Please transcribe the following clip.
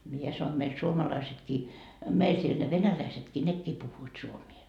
minä sanoin meillä suomalaisetkin meillä siellä ne venäläisetkin nekin puhuivat suomea